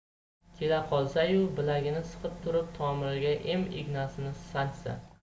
kela qolsayu bilagini siqib turib tomiriga em ignasini sanchsa